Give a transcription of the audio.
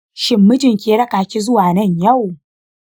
shin mijinki ya raka ki zuwa nan yau?